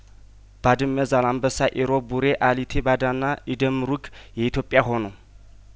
ባድመ ዛላንበሳ ኢሮብ ቡሬ አሊቴ ባዳና ኢደምሩግ የኢትዮጵያ ሆኑ